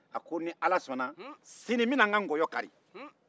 a ko n bɛna n ka nkɔyɔ kari sinin ni ala sɔnna